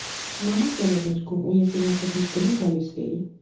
Մամաս էլ էր երգում, ու ես իրենց հետ միշտ գնում֊գալիս էի։